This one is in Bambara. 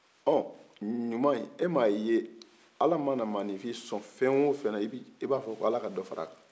ɔ ɲuman e m'a ye ala mana mɔgɔnifin sɔn fɛn o fɛn i b'a fɔ ko ala ka dɔ fara a kan